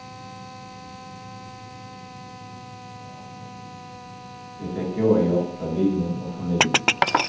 eg fekk góða hjálp frá vinum og familju